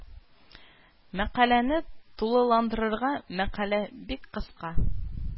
Мәкаләне тулыландырырга мәкалә бик кыска